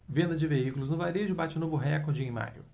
venda de veículos no varejo bate novo recorde em maio